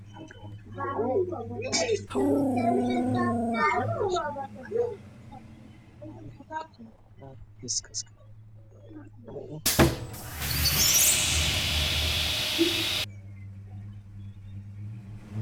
Waa banbanooni midabkiis yahay cagaar